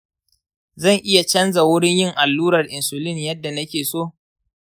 zan iya canza wurin yin allurar insulin yadda nake so?